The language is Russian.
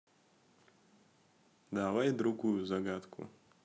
давай другую загадку